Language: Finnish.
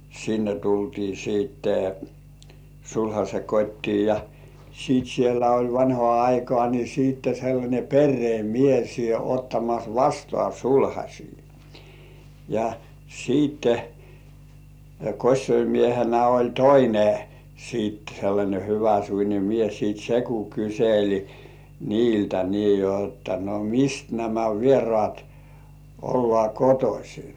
sinne tultiin sitten sulhasen kotiin ja sitten siellä oli vanhaan aikaan niin sitten sellainen perheen mies ottamassa vastaan sulhasia ja sitten kosiomiehenä oli toinen sitten sellainen hyväsuinen mies sitten se kun kyseli niiltä niin jotta no - mistä nämä vieraat ollaan kotoisin